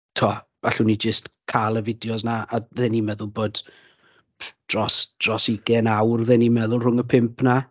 Tibod, allwn ni jyst cael y fideos 'na, a fydden ni'n meddwl bod dros dros ugain awr fydden i'n meddwl rhwng y 5 'na.